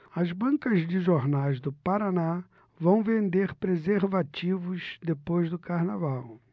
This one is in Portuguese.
as bancas de jornais do paraná vão vender preservativos depois do carnaval